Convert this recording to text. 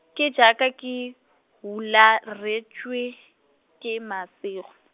ke jaaka ke, hularetswe, ke masego.